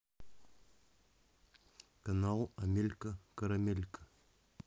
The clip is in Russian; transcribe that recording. канал амелька карамелька